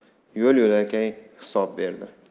yo'l yo'lakay hisob berdi